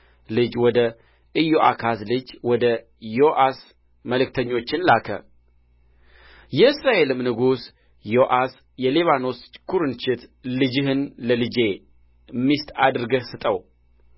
ልጅ ወደ ኢዮአካዝ ልጅ ወደ ዮአስ መልእክተኞችን ላከ የእስራኤልም ንጉሥ ዮአስ የሊባኖስ ኵርንችት ልጅህን ለልጄ ሚስት አድርገህ ስጠው